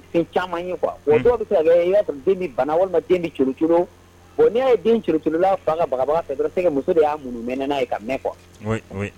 Caman o dɔw bɛ i y'a sɔrɔ den bana walima n'i ye fa ka bababaga fɛ muso de y'a mun mɛn n'a ye ka mɛn kuwa